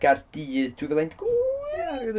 Gaerdydd dwy fil ag un deg wyth?